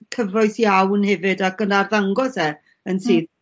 cyfoes iawn hefyd ac yn arddangos e yn sydd